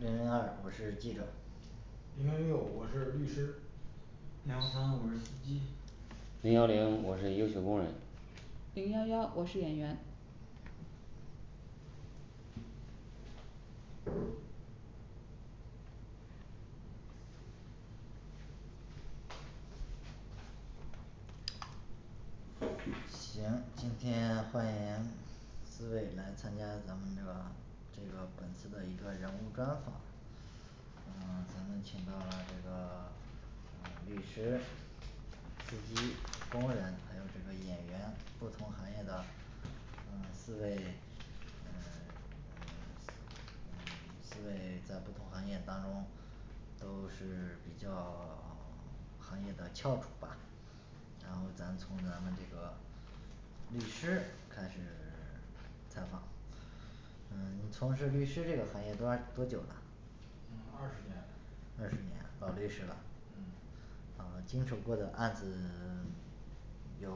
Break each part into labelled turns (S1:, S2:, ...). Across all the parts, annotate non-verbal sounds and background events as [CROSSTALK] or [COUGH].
S1: 零零二我是记者
S2: 零零六我是律师
S3: 零幺三我是司机
S4: 零幺零我是优秀工人
S5: 零幺幺我是演员
S1: 行今天欢迎四位来参加咱们这个这个本次的一个人物专访嗯 [SILENCE] 咱们请到了这个嗯律师、司机、工人还有这个演员不同行业的嗯四位嗯 [SILENCE] 嗯 [SILENCE] 嗯四位在不同行业当中都是比较 [SILENCE] 行业的翘楚吧然后咱从咱们这个律师开始 [SILENCE] 采访。嗯你从事律师这个行业多长多久啦
S2: 嗯二十年了
S1: 十年老律师了
S2: 嗯
S1: 呃经手过的案子 [SILENCE] 有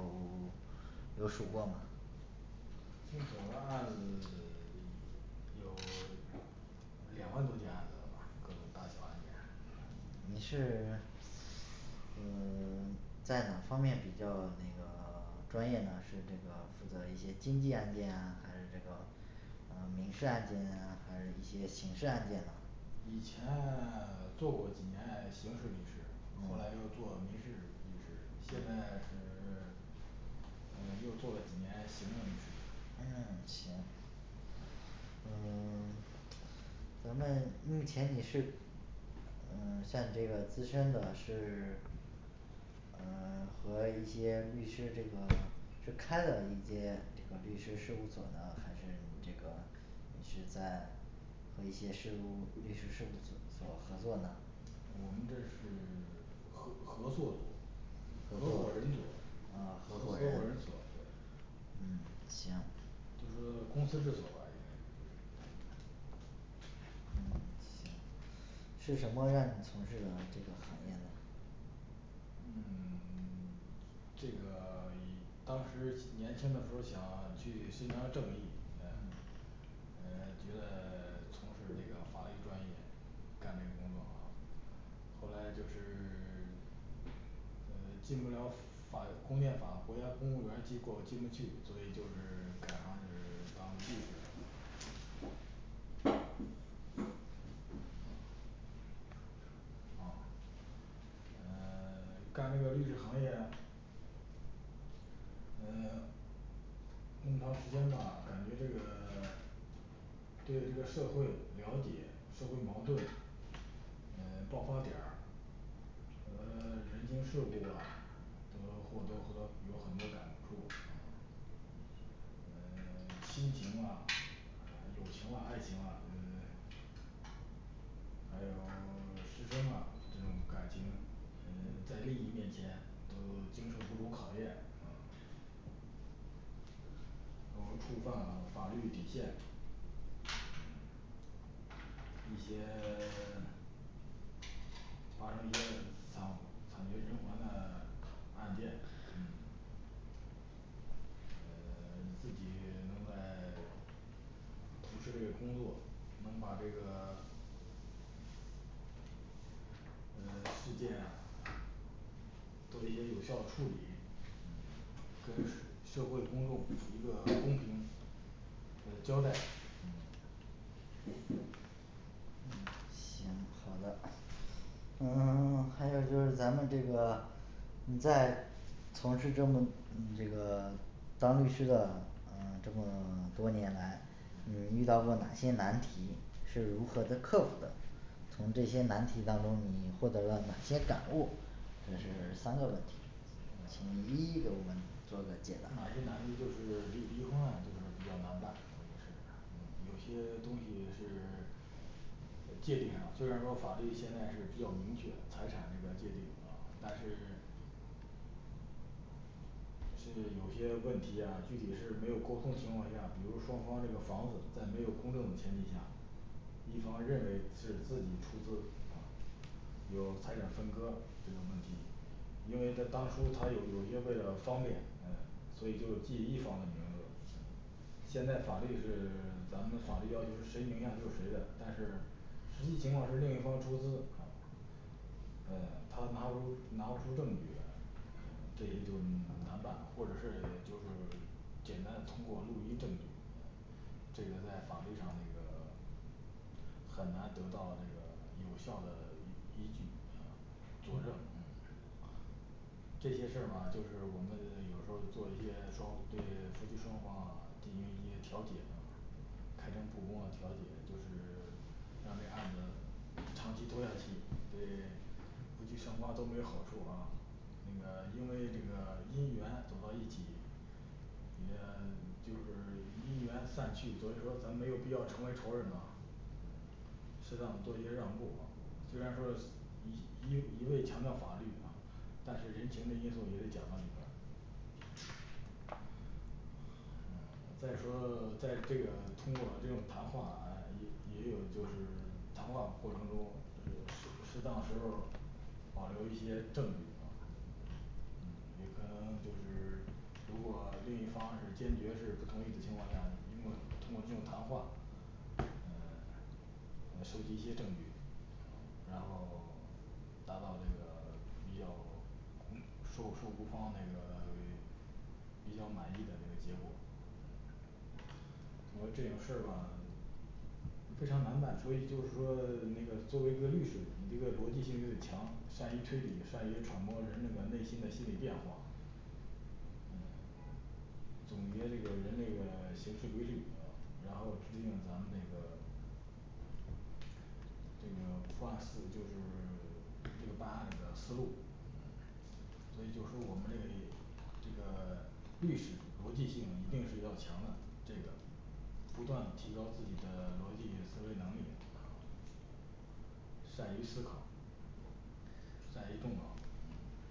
S1: [SILENCE] 有数过吗
S2: 经手的案子 [SILENCE] 已有 [SILENCE] 两万多件案子了吧，各种大小案件
S1: 你是 [SILENCE] 呃 [SILENCE] 在哪方面比较那个 [SILENCE] 专业呢是这个负责一些经济案件啊还是这个呃民事案件啊，还是一些刑事案件呢，
S2: 以前 [SILENCE] 做过几年刑事律师，后
S1: 嗯
S2: 来又做民事律师，现在是 [SILENCE] 呃又做了几年行政律师
S1: 嗯行嗯 [SILENCE] 咱们目前你是呃像你这个自身的是 [SILENCE] 呃 [SILENCE] 和一些律师这个& [HESITATION] &是开了一间这个律师事务所呢还是你这个你是在和一些事务律师事务所所合作呢，
S2: 我们这是 [SILENCE] 合合作作合伙人组
S1: 啊
S2: 合
S1: 合
S2: 伙
S1: 伙
S2: 人
S1: 人
S2: 所对
S1: 嗯行
S2: 就是公司制所吧应该就就就这样的。
S1: 嗯行是什么让你从事的这个行业呢
S2: 嗯 [SILENCE] 几 [UNINTELLIGIBLE] 这个 [SILENCE] 一 [UNINTELLIGIBLE] 当时年轻的时候儿想去伸张正义哎呃觉得 [SILENCE] 从事这个法律专业，干这个工作啊后来就是 [SILENCE] 呃进不了法公检法国家公务儿员机构进不去，所以就是 [SILENCE] 改行儿是 [SILENCE] 当律师了
S1: 嗯说说
S2: 哦呃 [SILENCE] 干这个律师行业呃那么长时间吧感觉这个 [SILENCE] 对这个社会了解社会矛盾呃爆发点儿，呃 [SILENCE] 人情世故啊都或多或多有很多感触嗯呃 [SILENCE] 亲情啊、啊友情啦、爱情啊呃 [SILENCE] 还有 [SILENCE] 师生啊这种感情呃在利益面前都经受不住考验啊我们触犯法律底线
S1: 嗯
S2: 一些 [SILENCE] 发生一些惨惨绝人寰的 [SILENCE] 案件嗯呃 [SILENCE] 自己能在 [SILENCE] 从事这个工作能把这个 [SILENCE] 呃事件做一些有效处理，
S1: 嗯
S2: 给是 [UNINTELLIGIBLE] 社会公众一个公平的交代
S1: 嗯行好的。嗯 [SILENCE] 还有就是咱们这个你在从事这么这个当律师的呃这么多年来，
S2: 嗯
S1: 你遇到过哪些难题，是如何的克服的从这些难题当中你获得了哪些感悟这是三个问题从
S2: 嗯
S1: 一个问题做个解
S2: 嗯
S1: 答嗯，
S2: 哪些难题就是离离婚案就是比较难办
S1: 嗯
S2: 这个是有些东西是 [SILENCE] 在界定上，虽然说法律现在是比较明确财产这个界定啊，但是 [SILENCE] 是有些问题啊具体是没有沟通情况下，比如双方这个房子在没有公证的前提下一方认为是自己出资啊有财产分割这个问题，因为在当初他有有一些为了方便哎所以就记一方的名字嗯现在法律是 [SILENCE] 咱们法律要求谁名下就是谁的，但是实际情况是另一方出资哦呃他拿不出拿不出证据来
S1: 嗯，
S2: 这些就难办了，或者是就是简单的通过录音证据这个在法律上那个 [SILENCE] 很难得到这个有效的依依据啊作证
S1: 嗯
S2: 这些事儿嘛就是我们有时候儿做一些双对夫妻双方进行一些调解开诚布公的调解就是 [SILENCE] 让这案子长期多样系，对。夫妻双方都没有好处啊。那个因为这个姻缘走到一起也就是因缘散去，所以说咱没有必要成为仇人呐是让我们多一些让步儿嗯，虽然说是一一一味强调法律嗯，但是人情的因素也得讲到里边儿嗯 [SILENCE] 再说 [SILENCE] 在这个通过这种谈话哎也也有就是谈话过程中，是是适当时候儿保留一些证据啊嗯也可能就是如果另一方是坚决是不同意的情况下，用不用通过这种谈话嗯 [SILENCE] 呃收集一些证据是吧然后 [SILENCE] 达到这个 [SILENCE] 比较受受雇方这个 [SILENCE] 比较满意的这个结果嗯整个这种事儿吧嗯 [SILENCE] 总结这个人这个 [SILENCE] 行事规律呃，然后制定咱们那个这个破案四就是 [SILENCE] 这个办案这个思路嗯所以就说我们这个这个律师逻辑性一定是要强的这个不断提高自己的逻辑思维能力善于思考，善于动脑
S1: 嗯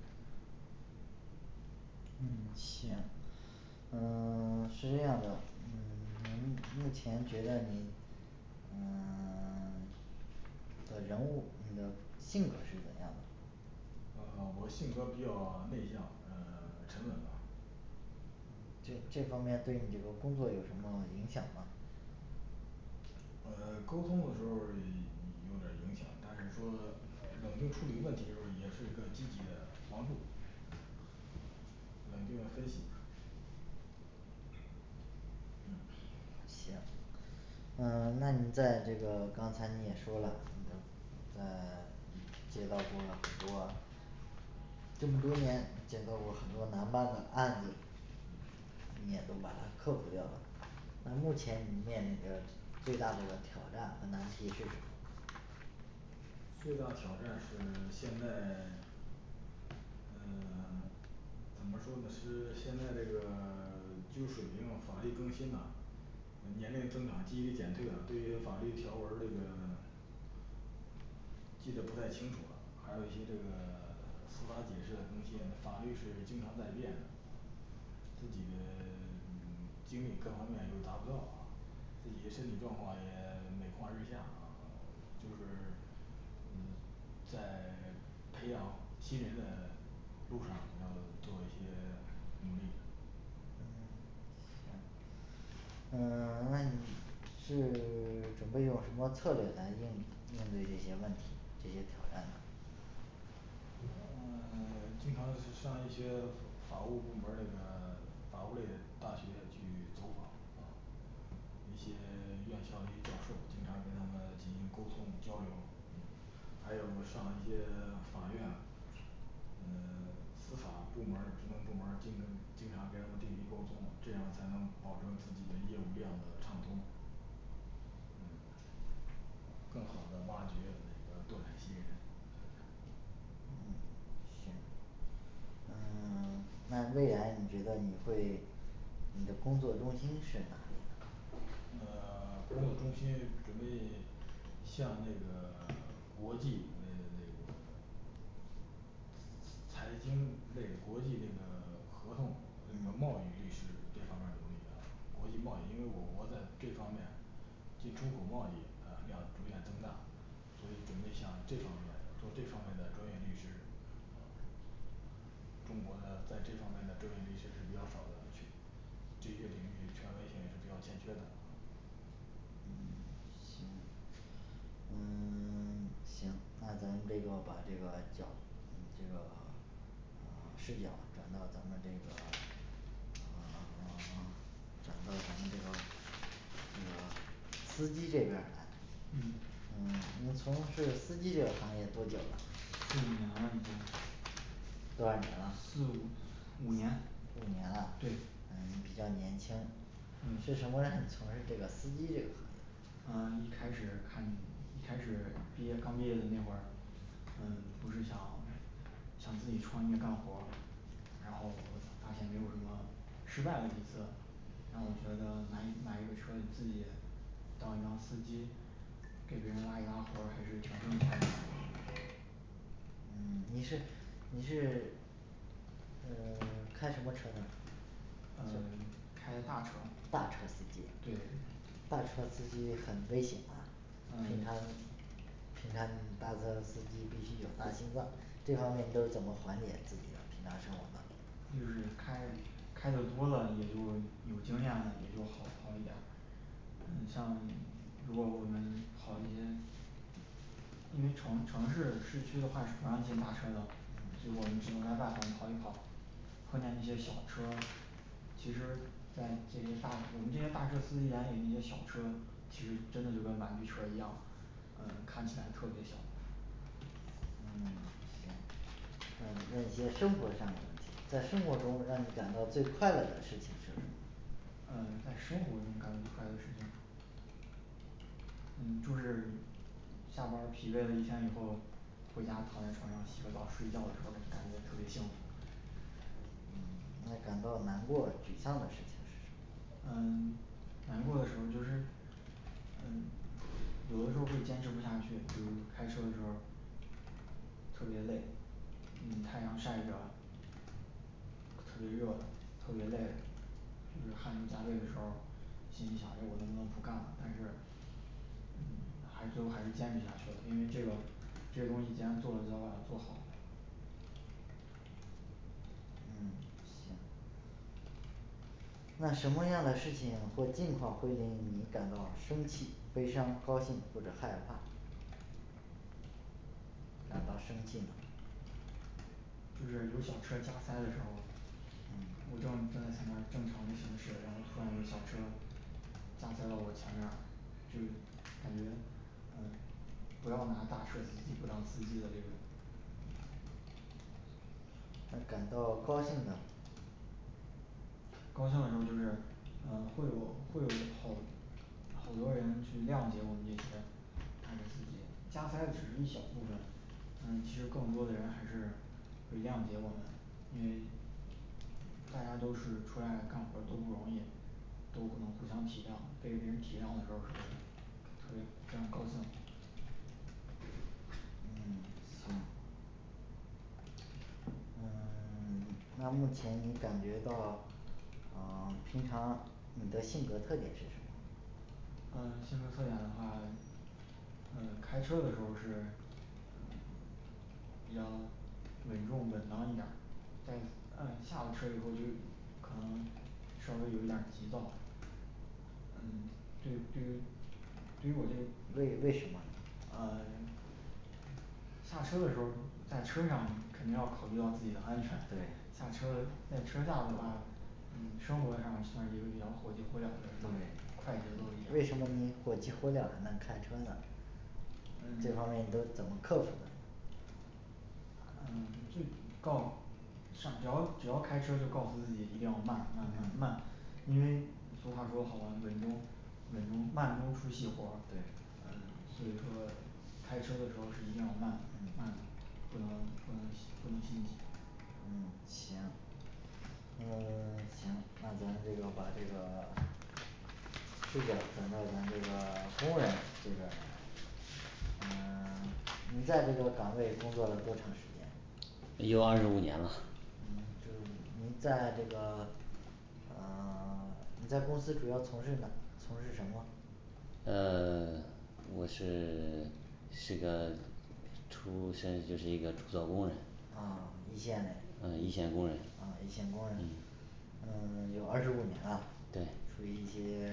S1: 嗯行嗯 [SILENCE] 是这样的，嗯可能目前觉得你嗯 [SILENCE] 你的人物，你的性格是怎样的
S2: 呃我性格比较内向呃 [SILENCE] 沉稳吧
S1: 这这方面对你这个工作有什么影响吗
S2: 呃沟通的时候儿 [SILENCE] 有点儿影响，但是说呃冷静处理问题的时候儿也是一个积极的帮助，冷静分析
S1: 嗯行行呃那你在这个刚才你也说了呃 [SILENCE] 接到的工作很多啊这么多年见到过很多难办的案子你也都把它克服掉了。那目前你面临着最大的一个挑战和难题是什么
S2: 最大挑战是现在 [SILENCE] 嗯 [SILENCE] 怎么说呢是 [SILENCE] 现在这个 [SILENCE] 技术水平 [SILENCE] 法律更新呐呃年龄增长记忆力减退啊，对于法律条文儿这个 [SILENCE] 记得不太清楚了，还有一些这个 [SILENCE] 司法解释的更新，法律是经常在变的啊自己的 [SILENCE] 嗯 [SILENCE] 精力各方面又达不到啊自己身体状况，也 [SILENCE] 每况日下呃 [SILENCE] 就是嗯在 [SILENCE] 培养新人的路上，然后做一些 [SILENCE] 努力
S1: 嗯嗯 [SILENCE] 那你是 [SILENCE] 准备用什么策略来应应对这些问题这些挑战的
S2: 嗯 [SILENCE] 经常上上一些法法务部门儿这个 [SILENCE] 法务类大学去走访一些 [SILENCE] 院校的一些教授，经常跟他们进行沟通交流
S1: 嗯
S2: 还有上一些 [SILENCE] 法院呃 [SILENCE] 司法部门儿职能部门儿经跟经常跟他们进行沟通，这样才能保证自己的业务量的畅通更好的挖掘那个动态新人
S1: 嗯行嗯 [SILENCE] 那未来你觉得你会你的工作重心是哪里
S2: 嗯 [SILENCE] 工作重心准备向那个国际那那个财经类的国际那个 [SILENCE] 合同那个贸易律师这方面儿努力啊。国际贸易因为我国在这方面进出口贸易呃要逐渐增大，所以准备向这方面的做这方面的专业律师中国的在这方面的专业律师是比较少的去这些领域权威性也是比较欠缺的嗯
S1: 嗯行嗯 [SILENCE] 行那咱这个把这个角你这个吧视角转到咱们这个嗯 [SILENCE] 转到咱们这个这个司机这边儿来。
S3: 嗯
S1: 你从事司机这个行业多久了
S3: 四五年了已经
S1: 多少年了
S3: 四五五年
S1: 五年了
S3: 对。
S1: 嗯比较年轻
S3: 嗯
S1: 是什么让你从事这个司机这个行业
S3: 呃一开始看一开始毕业刚毕业的那会儿嗯不是想想自己创业干活儿然后发现没有什么失败了几次，让我觉得难以买一个车自己当一当司机，给别人拉一拉活儿还是挺挣钱的
S1: 嗯你是你是呃 [SILENCE] 开什么车的
S3: 嗯 [SILENCE] 开大车
S1: 大车司机
S3: 对
S1: 大车司机很危险啊
S3: 嗯就是开开的多了也就有经验了，也就好好一点儿。嗯像 [SILENCE] 如果我们跑一些因为城城市市区的话是不让进大车的，
S1: 嗯
S3: 所以我们只能在外方跑一跑，碰见那些小车，其实在这些大我们这些大车司机眼里，那些小车其实真的就跟玩具车一样嗯看起来特别小。
S1: 嗯行嗯 [SILENCE] 那你在生活上在生活中让你感到最快乐的事情是什么
S3: 嗯 [SILENCE] 在生活中感到最快乐的事情嗯 [SILENCE] 就是下班儿疲惫了一天以后，回家躺在床上洗个澡儿，睡觉的时候儿感感觉特别幸福嗯 [SILENCE] 难过的时候儿就是嗯 [SILENCE] 有的时候儿会坚持不下去，比如开车的时候儿特别累嗯 [SILENCE] 太阳晒着，特别热，特别累，就是汗流浃背的时候儿，心里想着我能不能不干了，但是嗯 [SILENCE] 还最后还是坚持下去了，因为这个这些东西既然做了，就要把它做好。
S1: 嗯行那什么样的事情会尽早会令你感到生气、悲伤、高兴或者害怕？感到生气呢
S3: 就是有小车加塞的时候儿
S1: 嗯，
S3: 我正正在前边儿正常的行驶，然后突然有小车加塞到我前边儿就是感觉嗯不要拿大车司机不当司机的这种
S1: 那感到高兴呢
S3: 高兴的时候儿就是嗯,会有会有好好多人去谅解我们这些大车司机加塞的只是一小部分嗯,其实更多的人还是会谅解我们，因为大家都是出来干活儿都不容易，都不能互相体谅，被别人体谅的时候儿是特别非常高兴
S1: 嗯 [SILENCE] 好嗯 [SILENCE] 那目前你感觉到噢 [SILENCE] 平常你的性格特点是什么？
S3: 嗯,性格特点的话，嗯，开车的时候儿是嗯比较稳重稳当一点儿。在嗯下了车以后就是可能稍微有一点儿急躁，嗯 [SILENCE] 对对于对于我这个
S1: 为为什么
S3: 呃 [SILENCE] 下车的时候儿在车上肯定要考虑到自己的安全
S1: 对
S3: [CROSSTALK] 下车在车下的话嗯，生活上也起码也有一种火急火燎的人吧快节奏一点儿
S1: 为什么你火急火燎的呢开车呢
S3: 嗯？
S1: 这
S3: [SILENCE]
S1: 方面都怎么克服的？
S3: 嗯 [SILENCE] 这告，上 [UNINTELLIGIBLE] 只要只要开车就告诉自己一定要慢慢慢慢，因为俗话说的好嘛稳中稳中慢中出细活儿
S1: 对
S3: 嗯所以说开车的时候儿是一定要慢
S1: 嗯
S3: 慢的不能不能西 [UNINTELLIGIBLE] 不能心急。
S1: 嗯，行。嗯 [SILENCE] 行，那咱们这个把这个 [SILENCE] 视角转到咱这个 [SILENCE] 工人，这边儿来嗯 [SILENCE] 你在这个岗位工作了多长时间？
S4: 有二十五年了。
S1: 就是您在这个呃 [SILENCE] 您在公司主要从事哪从事什么？
S4: 嗯 [SILENCE] 我是 [SILENCE] 是个出身就是一个做工人，
S1: 嗯一线嘞
S4: 嗯，一线工人
S1: 嗯，一线工人
S4: 嗯
S1: 嗯 [SILENCE] 有二十五年了
S4: 对
S1: 属于一些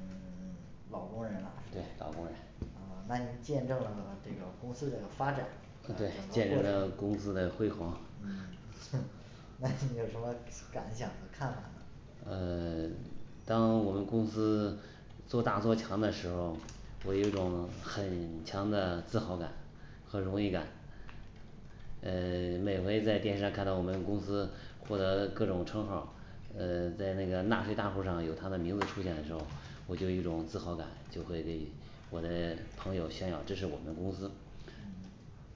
S1: 嗯 [SILENCE] 老工人了，
S4: 对老工人
S1: 嗯，那你见证了这个公司这个发展然
S4: 对见证了
S1: 后
S4: 公司的辉煌。
S1: 嗯 [SILENCE] 哼那你 [NOISE] 有什么感想和看法呢
S4: 嗯 [SILENCE] 当我们公司做大做强的时候儿，我有一种很强的自豪感和荣誉感嗯 [SILENCE] 每回在电视上看到我们公司获得各种称号儿，嗯 [SILENCE] 在那个纳税大户上有他的名字出现的时候儿我就有一种自豪感，就会给我的朋友炫耀这是我们公司
S1: 嗯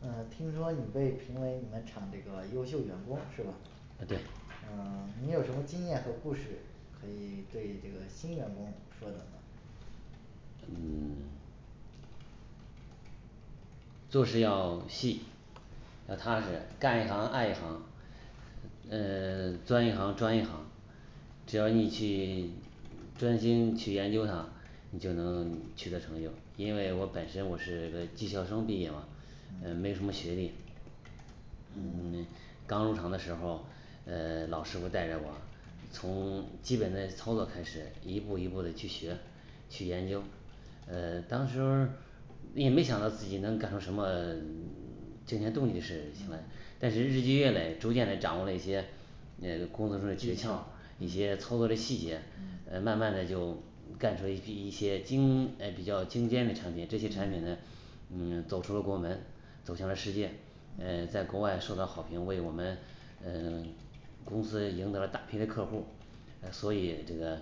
S1: 嗯 [SILENCE] 听说你被评为你们厂这个优秀员工是吧，
S4: 嗯，对
S1: 嗯 [SILENCE] 你有什么经验和故事可以对这个新员工说的呢？
S4: 嗯 [SILENCE] 做事要细，要踏实，干一行儿爱一行儿，嗯 [SILENCE] 钻一行儿专一行儿。只要你去 [SILENCE] 专心去研究它，你就能取得成就，因为我本身我是个技校生毕业嘛，呃没
S1: 嗯
S4: 有什么学历嗯 [SILENCE] 刚入场的时候，呃 [SILENCE] 老师傅带着我
S1: 嗯
S4: 从基本的操作开始一步儿一步儿的去学去研究嗯 [SILENCE] 当时也没想到自己能干出什么呃 [SILENCE] 惊天动地事情来
S1: 嗯，
S4: 但是日积月累逐渐的掌握了一些嗯，工作中的诀
S1: 技
S4: 窍
S1: 巧，
S4: 一些
S1: 嗯
S4: 操作嘞细节，呃
S1: 嗯
S4: 慢慢的就干出了第 [UNINTELLIGIBLE] 一些精唉比较精尖的产品这些产品
S1: 嗯
S4: 呢嗯走出了国门，走向了世界，嗯 [SILENCE]
S1: 嗯
S4: 在国外受到好评为我们嗯 [SILENCE] 公司赢得了大批的客户儿。呃所以这个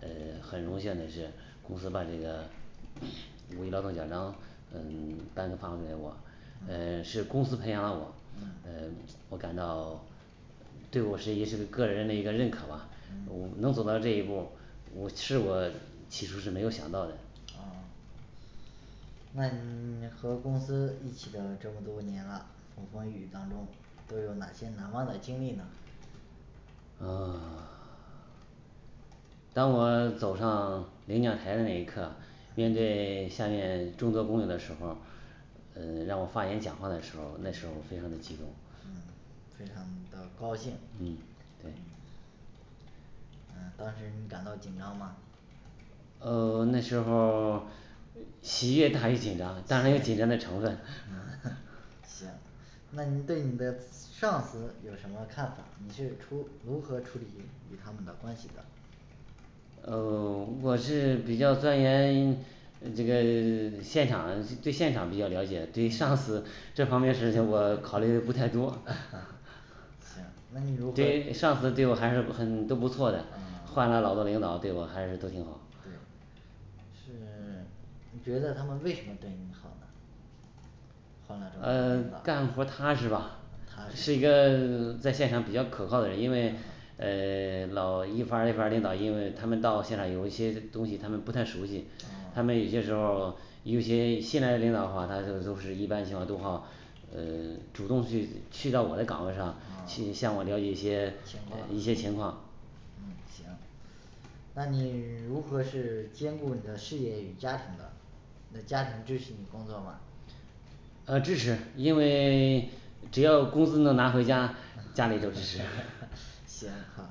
S4: 呃 [SILENCE] 很荣幸就是公司把这个五一劳动奖章嗯 [SILENCE] 颁发给我
S1: 嗯
S4: 呃 [SILENCE] 是公司培养了我
S1: 嗯
S4: 嗯 [SILENCE] 我感到对我是也是个人的一个认可吧我
S1: 嗯
S4: 能走到这一步我是我起初是没有想到的。
S1: 啊那你 [SILENCE] 和公司一起了这么多年了，风风雨雨当中都有哪些难忘的经历呢？
S4: 嗯 [SILENCE] 当我走上领奖台的那一刻，面
S1: 嗯
S4: 对下面众多朋友的时候儿，呃 [SILENCE] 让我发言讲话的时候儿那时候儿非常的激动，
S1: 嗯 [SILENCE] 非常的高兴
S4: 嗯
S1: 嗯
S4: [SILENCE] 对
S1: 嗯当时你感到紧张吗？
S4: 呃 [SILENCE] 那时候儿 [SILENCE] 起因很紧张，当然有紧张的成分 [NOISE]
S1: [NOISE] 行那你对你的上司有什么看法儿，你是处如何处理与他们的关系的？
S4: 呃 [SILENCE] 我是比较钻研呃这个 [SILENCE] 现场对现场比较了解，对上司这方面事情我考虑的不太多 [NOISE]
S1: 行那你如果
S4: 对上司对我还是很都不错的
S1: 嗯嗯
S4: 换了老多领导对我还是都挺好
S1: 对是 [SILENCE] 你觉得他们为什么对你好呢？换了这么多
S4: 嗯
S1: 领导
S4: 干活踏实吧，
S1: 踏
S4: 是
S1: 实
S4: 一个嗯在现场比较可靠的人，因为
S1: 啊
S4: 嗯 [SILENCE] 老一发儿一发儿的老因为他们到现场有一些东西他们不太熟悉，他们有些时候儿
S1: 嗯情况嗯，行。那你如何是兼顾你的事业与家庭呢？你的家庭支持你工作吗？
S4: 呃，支持，因为 [SILENCE] 只要工资能拿回家，家里就
S1: [NOISE]
S4: 支持。
S1: 行好。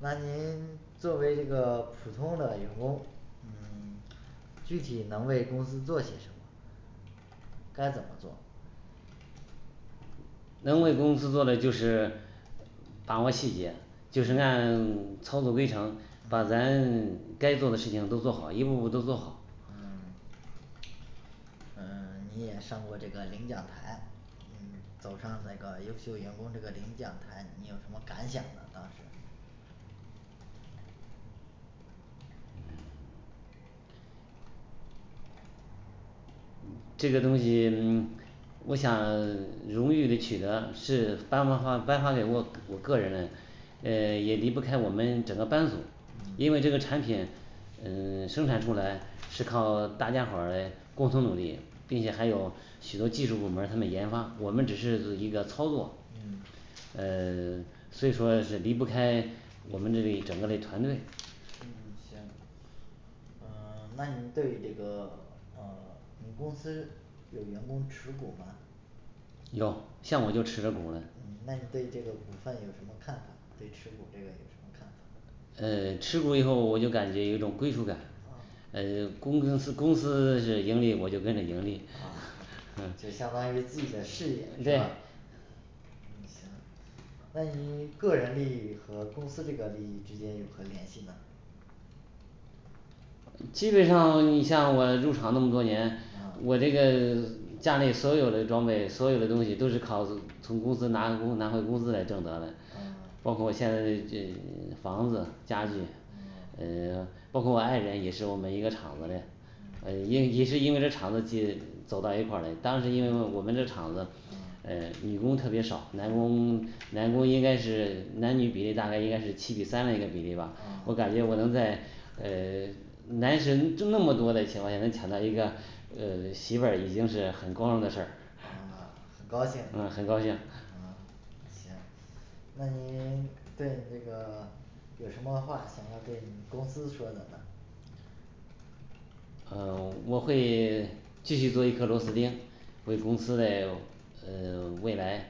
S1: 那您作为一个普通的员工，嗯 [SILENCE] 具体能为公司做些什么？该怎么做
S4: 能为公司做的就是把握细节，就是按 [SILENCE] 操作规程把咱该做的事情都做好，一步步都做好。
S1: 嗯 [SILENCE] 呃 [SILENCE] 你也上过这个领奖台嗯走上那个优秀员工这个领奖台，你有什么感想呢当时
S4: 嗯这个东西嗯我想荣誉的取得是颁发发颁发给我我个人的，嗯也离不开我们整个班组。
S1: 嗯
S4: 因为这个产品嗯 [SILENCE] 生产出来是靠大家伙儿嘞共同努力，毕竟还有许多技术部门儿他们研发我们只是有一个操作
S1: 嗯，
S4: 呃 [SILENCE] 所以说是离不开我们这里整个滴团队。
S1: 嗯 [SILENCE] 行。呃 [SILENCE] 那你对这个呃你公司有员工持股儿吗？
S4: 有，像我就持着股儿呢
S1: 那你对这个股份有什么看法？对持股这个有什么看法？啊啊，就相当于自己的事业
S4: 嗯
S1: 是
S4: 对
S1: 吧？嗯行那你个人利益和公司这个利益之间有何联系呢？
S4: 基本上你像我入厂那么多年
S1: 啊
S4: 我这个 [SILENCE] 家内所有的装备，所有的东西都是靠从公司拿公拿回公资来挣的
S1: 啊
S4: 包括我现在这这 [SILENCE] 房子家具，
S1: 嗯嗯
S4: 呃 [SILENCE] 包括我爱人也是我们一个厂子嘞呃也也是因为这厂子去走到一块儿嘞，当时因为我们这厂子
S1: 呃
S4: 嗯，女工特别少，男工男工应该是男女比例大概应该是七比三的一个比例吧
S1: 啊
S4: 我感觉我能在哎男神这那么多的情况下能抢到一个呃 [SILENCE] 媳妇儿已经是很光荣的事儿了
S1: 嗯，高兴
S4: 嗯，很高兴。
S1: 嗯行。那您对你这个有什么话想要对你公司说说呢？
S4: 嗯 [SILENCE] 我会 [SILENCE] 继续做一颗螺丝钉儿，为公司的呃未来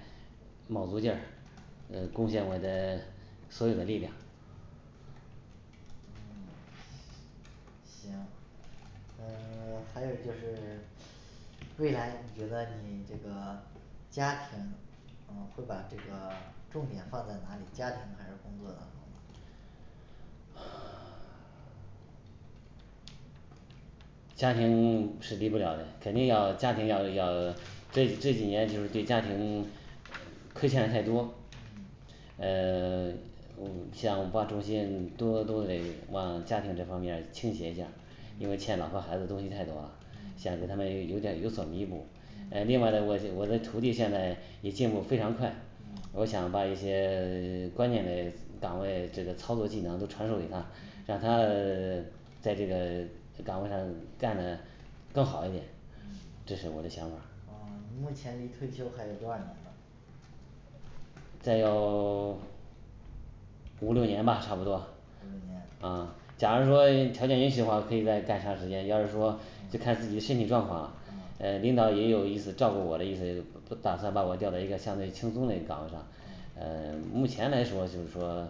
S4: 卯足劲儿呃贡献我的所有的力量
S1: 行，嗯 [SILENCE] 还有就是 [SILENCE] 未来你觉得你这个家庭呃会把这个重点放在哪里，家庭还是工作的？
S4: 家庭 [SILENCE] 是离不了的，肯定要家庭要要这这几年就是对家庭亏欠的太多，
S1: 嗯
S4: 嗯 [SILENCE] 五 [UNINTELLIGIBLE] 想把重心多多嘞往家庭这方面倾斜一下，因为欠老婆孩子东西太多了现在
S1: 嗯
S4: 对他们也有点儿有所弥补。呃另外我我的徒弟现在也进步非常快，
S1: 嗯
S4: 我想把一些 [SILENCE] 关键的岗位这个操作技能都传授给他，
S1: 嗯
S4: 让他呃 [SILENCE] 在这个嗯岗位上干的更好一点这是我的想法儿
S1: 嗯 [SILENCE] 你目前离退休还有多少年呢，
S4: 再有 [SILENCE] 五六年吧差不多
S1: 五六年
S4: 嗯，假如说条件允许的话，可以再干长时间，要是说就看自己身体状况啦嗯领导也有意思照顾我的意思，打算把我调到一个相对轻松哩岗位上
S1: 嗯。
S4: 嗯 [SILENCE] 目前来说就是说